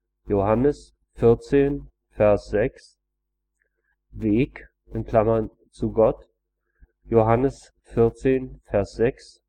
Joh 14,6) Weg (zu Gott: Joh 14,6